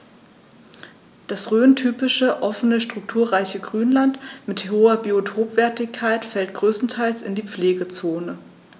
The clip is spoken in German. Das rhöntypische offene, strukturreiche Grünland mit hoher Biotopwertigkeit fällt größtenteils in die Pflegezone.